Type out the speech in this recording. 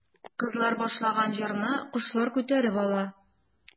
Кызлар башлаган җырны кошлар күтәреп ала.